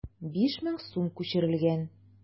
5000 сум күчерелгән.